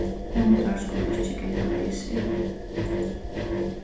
hundar skulu ikki ganga leysir